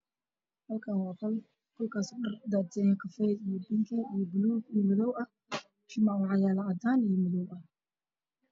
Waa mutulel midabkiis yahay cadaan iyo madow waxaa saaran dhar buluu iyo ma